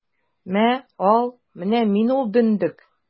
Мә, ал, менә мин ул дөндек!